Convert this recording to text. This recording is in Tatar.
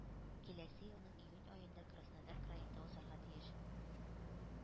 Киләсе елның июнь аенда краснодар краенда узарга тиеш.